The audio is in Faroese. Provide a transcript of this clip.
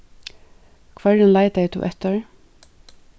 hvørjum leitaði tú eftir